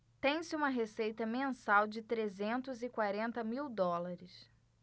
tem-se uma receita mensal de trezentos e quarenta mil dólares